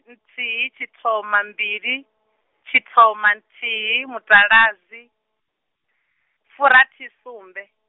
nthihi tshithoma mbili, tshithoma nthihi mutaladzi, furathisumbe.